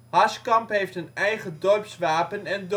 Harskamp heeft een eigen dorpswapen en